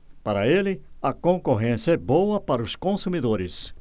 para ele a concorrência é boa para os consumidores